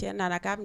Cɛ nana k'a